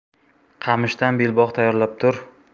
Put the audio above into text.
qamishdan belbog' tayyorlab tur